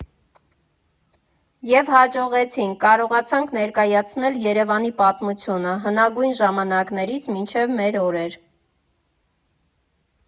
Եվ հաջողեցինք, կարողացանք ներկայացնել Երևանի պատմությունը՝ հնագույն ժամանակներից մինչև մեր օրեր։